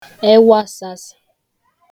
ewọasasā